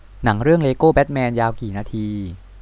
หนังเรื่องเลโกแบ็ทแมนยาวกี่นาที